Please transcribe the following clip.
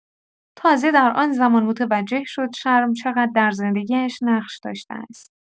تازه در آن‌زمان متوجه شد شرم چقدر در زندگی‌اش نقش داشته است.